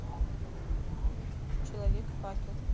человек факел